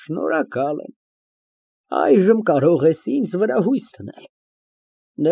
Շնորհակալ եմ։ Այժմ կարող ես ինձ վրա հույս դնել։